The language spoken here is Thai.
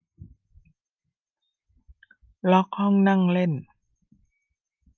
ล็อกห้องนั่งเล่น